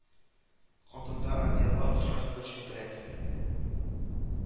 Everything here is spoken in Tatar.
Катында одеалга охшаш бер чүпрәк